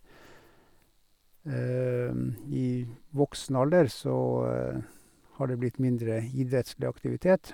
I voksen alder så har det blitt mindre idrettslig aktivitet.